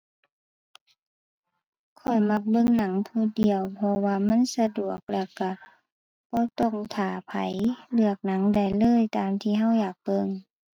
ข้อยมักเบิ่งหนังผู้เดียว เพราะว่ามันสะดวกแล้วก็บ่ต้องท่าไผ เลือกหนังได้เลยตามที่ก็อยากเบิ่ง